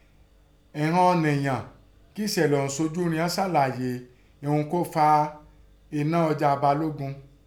Ìghọn ọ̀ọ̀ǹyàn kí ìṣẹ̀lẹ̀ ọ̀ún ṣojú righọn sàlàyé ihun kọ́ fa ẹná ọjà Balógun